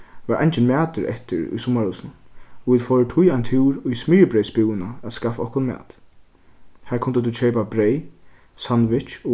var eingin matur eftir í summarhúsinum og vit fóru tí ein túr í smyrjibreyðsbúðina at skaffa okkum mat har kundi tú keypa breyð sandwich